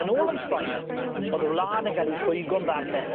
Yn ôl yn Ffrainc, o'dd y wlad yn ga'l ei rhwygo'n ddarne.